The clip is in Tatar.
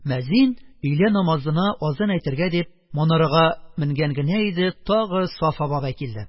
Мәзин өйлә намазына азан әйтергә дип манарага менгән генә иде, тагы Сафа бабай килде: